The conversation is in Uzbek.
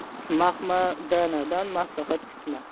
mahmadanadan maslahat kutma